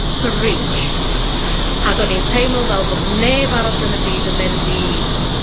freak. Mhm. Ag o'n i'n teimlo fel bod neb arall yn y byd yn mynd i